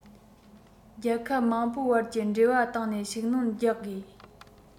རྒྱལ ཁབ མང པོའི བར གྱི འབྲེལ བ སྟེང ནས ཤུགས སྣོན རྒྱག དགོས